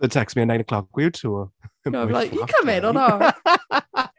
Text me at nine o' clock, where you to?... Yeah, I’ll be like, are you coming or not?